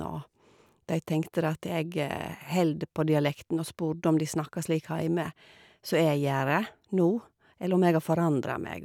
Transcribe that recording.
Og de tenkte det at jeg holder på dialekten, og spurte om de snakka slik heime som jeg gjør, nå, eller om jeg har forandra meg.